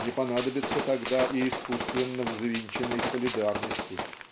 не понадобится тогда и искусственно взвинченной солидарности.